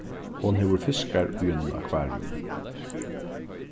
hon hevur fiskar í einum akvariumi